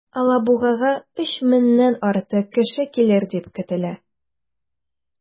Алабугага 3 меңнән артык кеше килер дип көтелә.